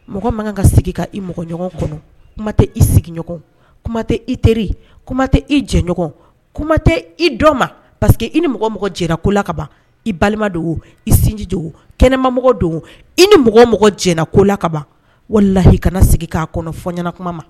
Mɔgɔ mankan kan ka sigi ka i mɔgɔ ɲɔgɔn kɔnɔ kuma tɛ i sigiɲɔgɔn kuma tɛ i teri kuma tɛ i jɛɲɔgɔn kuma tɛ i dɔ ma paseke i ni mɔgɔ mɔgɔ jɛnɛkola ka ban i balima dogo i sinji kɛnɛma mɔgɔ dogo i ni mɔgɔ mɔgɔ jɛnɛkola kaban wala lahi kana sigi k' kɔnɔ fɔ ɲɛna kuma ma